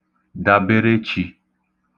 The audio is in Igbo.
Dàberechī